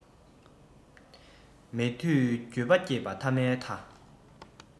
མེད དུས འགྱོད པ སྐྱེས པ ཐ མའི ཐ